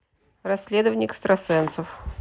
расследование эксрасенсов